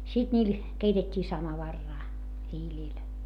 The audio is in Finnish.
sitten niillä keitettiin samovaaria hiilillä